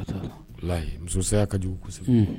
Wallahi Muso saya ka jugu!